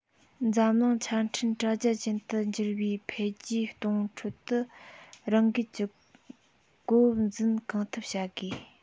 འཛམ གླིང ཆ འཕྲིན དྲ རྒྱ ཅན དུ འགྱུར བའི འཕེལ རྒྱས གཏོང ཁྲོད དུ རང འགུལ གྱི གོ བབ འཛིན གང ཐུབ བྱ དགོས